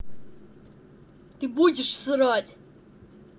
ты не будешь срать